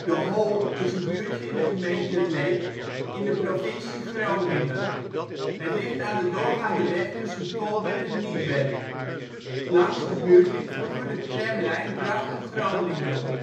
Holm is een buurtje in de gemeente Leek in de provincie Groningen. Het ligt aan de doorgaande weg tussen Tolbert en Niebert. Langs de buurt liep vroeger de Tramlijn Drachten - Groningen